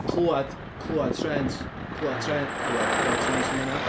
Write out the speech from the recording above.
Clywed, clywed trêns, clywed trên... M-hm. ...clywed clywed trêns yn fan'na.